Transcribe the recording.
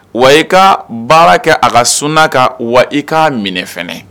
Wa i ka baara kɛ a ka sunna kan . Wa i ka minɛ fɛnɛ.